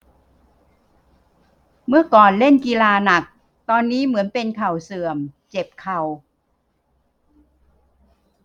เมื่อก่อนเล่นกีฬาหนักตอนนี้เหมือนเป็นเข่าเสื่อมเจ็บเข่า